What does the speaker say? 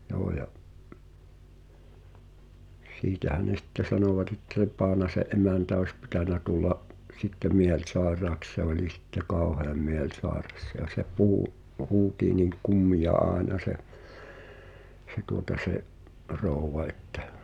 joo ja siitähän ne sitten sanovat että se Paanasen emäntä olisi pitänyt tulla sitten mielisairaaksi se oli sitten kauhean mielisairas ja se puhui huusi niin kummia aina se se tuota se rouva että